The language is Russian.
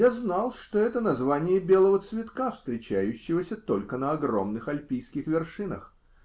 Я знал, что это -- название белого цветка, встречающегося только на огромных альпийских вершинах.